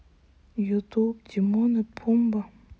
ютуб тимон и пумба